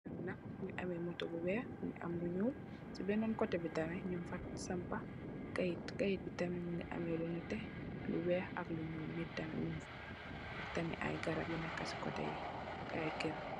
Fee nak muge ameh motor bu weex muge am lu nuul se benen koteh be tamin nugfa sampa kayete kayete be tamin muge ameh lu neteh lu weex ak lu nuul neet tamin mugfa ak tamin ay garab yu neka se koteh ye ak aye kerr.